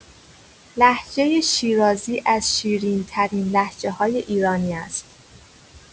لهجه شیرازی از شیرین‌ترین لهجه‌های ایرانی است.